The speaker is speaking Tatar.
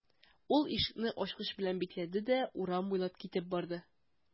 Ул ишекне ачкыч белән бикләде дә урам буйлап китеп барды.